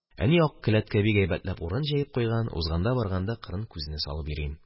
Әни ак келәткә бик әйбәтләп урын җәеп куйган, узганда-барганда кырын күзне салып йөрим.